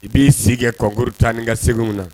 I b'i sigi kɛ concoursç taa nin ka seginw na